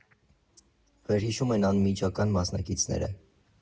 Վերհիշում են անմիջական մասնակիցները։